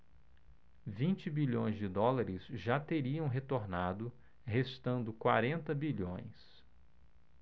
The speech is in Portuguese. vinte bilhões de dólares já teriam retornado restando quarenta bilhões